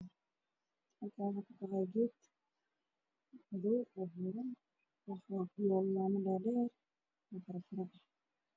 Halkaan waxaa ka muuqdo geed madaw ah oo caleemo yar leh